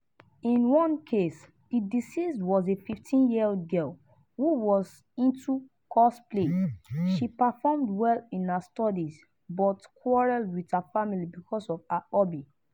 In one case, the deceased was a 15-year-old girl who was into cosplay. She performed well in her studies but quarrelled with her family because of her hobby.